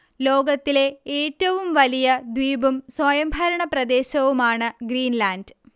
ലോകത്തിലെ ഏറ്റവും വലിയ ദ്വീപും സ്വയംഭരണ പ്രദേശവുമാണ് ഗ്രീൻലാൻഡ്